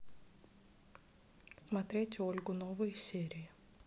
смотреть ольгу новые серии